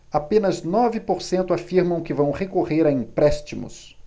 apenas nove por cento afirmam que vão recorrer a empréstimos